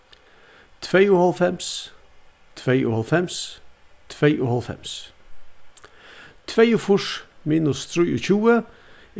tveyoghálvfems tveyoghálvfems tveyoghálvfems tveyogfýrs minus trýogtjúgu